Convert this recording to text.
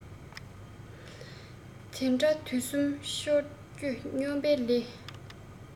མདའ གྲི མདུང གསུམ འཕྱར རྒྱུ སྨྱོན པའི ལས